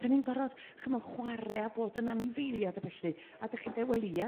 Dyn ni'n gor'od chi mo' chware a bod yn anifeilia'd a bellu a dych ch d'eu' wel ie.